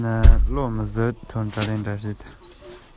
ཞིང ནང གི མུ ཁ བརྒྱུད དེ